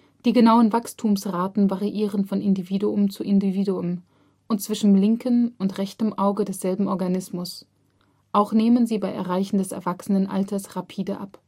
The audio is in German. Die genauen Wachstumsraten variieren von Individuum zu Individuum und zwischen linkem und rechtem Auge desselben Organismus, auch nehmen sie bei Erreichen des Erwachsenenalters rapide ab